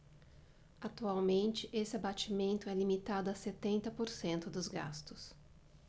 atualmente esse abatimento é limitado a setenta por cento dos gastos